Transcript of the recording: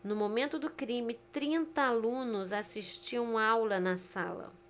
no momento do crime trinta alunos assistiam aula na sala